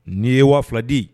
Nin ye waula di